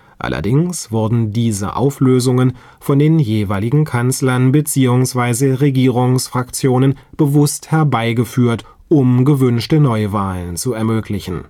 Allerdings wurden diese Auflösungen von den jeweiligen Kanzlern bzw. Regierungsfraktionen bewusst herbeigeführt, um gewünschte Neuwahlen zu ermöglichen